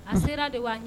A sera de wa